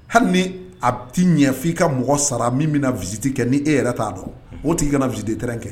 Hali ni a' ɲɛ f' ii ka mɔgɔ sara min bɛna na viti kɛ ni e yɛrɛ t'a dɔn o t i kana na v tɛrɛn kɛ